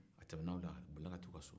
a tɛmɛna o la a bolila ka taa u ka so